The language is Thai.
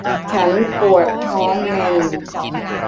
ฉันปวดท้องเมนส์